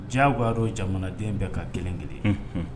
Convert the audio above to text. Jaawaro jamanaden bɛɛ ka gɛlɛn kelen